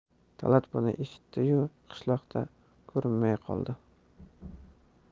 talat buni eshitdi yu qishloqda ko'rinmay qoldi